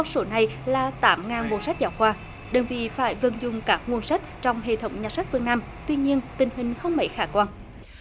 số này là tám ngàn bộ sách giáo khoa đơn vị phải vận dụng các nguồn sách trong hệ thống nhà sách phương nam tuy nhiên tình hình không mấy khả quan